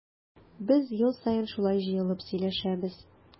Без ел саен шулай җыелып сөйләшәбез.